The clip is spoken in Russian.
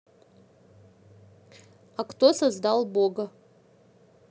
а кто создал бога